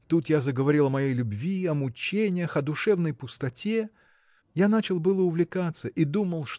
Тут я заговорил о моей любви, о мучениях, о душевной пустоте. я начал было увлекаться и думал